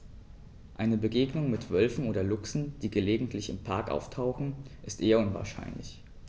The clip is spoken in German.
Eine Begegnung mit Wölfen oder Luchsen, die gelegentlich im Park auftauchen, ist eher unwahrscheinlich.